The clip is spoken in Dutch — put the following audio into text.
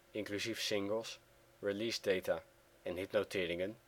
inclusief singles, releasedata en hitnoteringen